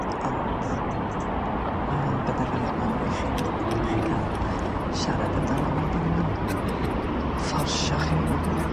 Ond mae o'n benderfyniad mawr i chi i chi ca'l... Hmm. siarad amdano fo 'dan ni'm yn... Hmm. fforsio chi o gwbwl.